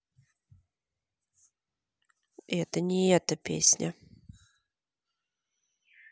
это не эта песня